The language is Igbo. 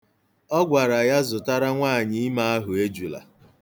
Ọ gwara ya zụtara nwaanyịime ahụ ejula.